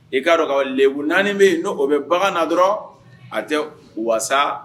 I'a dɔn ka leku naani bɛ yen n' o bɛ bagan na dɔrɔn a tɛ walasa